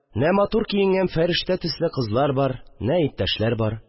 Нә матур киенгән фәрештә төсле кызлар бар, нә иптәшлэр бар